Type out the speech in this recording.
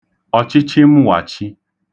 ọ̀chịchịmwàchi